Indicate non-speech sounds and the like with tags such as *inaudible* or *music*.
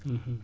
*hesitation* *hesitation*